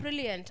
O, brilliant.